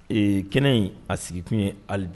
Ee kɛnɛ in a sigi kun ye hali bi